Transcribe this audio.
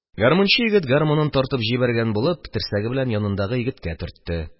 Гармунчы егет, гармунын тартып җибәргән булып, терсәге белән янындагы егеткә төртте.